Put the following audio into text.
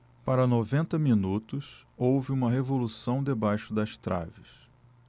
para noventa minutos houve uma revolução debaixo das traves